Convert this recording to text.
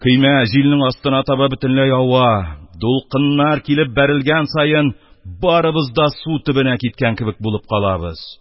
Көймә җилнең астына таба бөтенләй ава, тулкыннар килеп бәрелгән саен, барыбыз да су төбенә киткән кебек булып калабыз